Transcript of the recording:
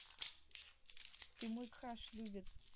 ты мой краш любит